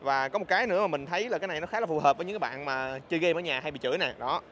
và có cái nữa mà mình thấy là cái này nó khá là phù hợp với những bạn mà chơi game ở nhà hay bị chửi nè